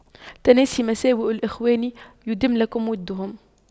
تناس مساوئ الإخوان يدم لك وُدُّهُمْ